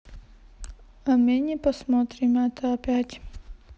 а мы не посмотрим это опять